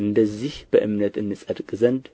እንደዚህ በእምነት እንጸድቅ ዘንድ